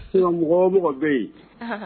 Mɔgɔ mɔgɔ bɛ yen